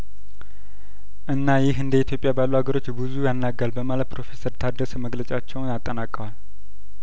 እና ይህ እንደኢትዮጵያባሉ አገሮች ብዙ ያናጋል በማለት ፕሮፌሰር ታደሰ መግለጫቸውን አጠና ቀዋል